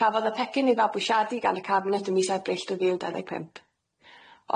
Cafodd y pecyn ei fabwysiadu gan y Cabinet ym mis Ebrill dwy fil dau ddeg pump.